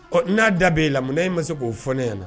Ɔ n'a da bɛ e la munna' ma se k'o fɔ ne ɲɛna na